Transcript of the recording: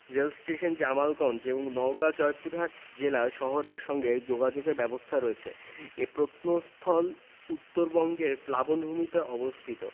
rail station Jamalganj এবং নওগাঁ জয়পুরহাট জেলা শহরের সঙ্গে যোগাযোগের ব্যবস্থা রয়েছে এ প্রত্নস্থল উত্তরবঙ্গের প্লাবনভূমিতে অবস্থিত